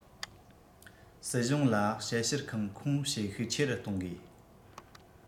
སྲིད གཞུང ལ དཔྱད བཤེར ཁང ཁུངས བྱེད ཤུགས ཆེ རུ གཏོང དགོས